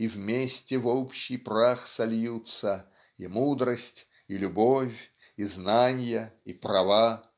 И вместе в общий прах сольются. И мудрость и любовь и знанья и права